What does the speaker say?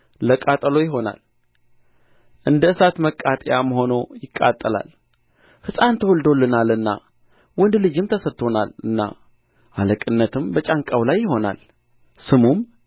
ለቃጠሎ ይሆናል እንደ እሳት ማቃጠያም ሆኖ ይቃጠላል ሕፃን ተወልዶልናልና ወንድ ልጅም ተሰጥቶናልና አለቅነትም በጫንቃው ላይ ይሆናል ስሙም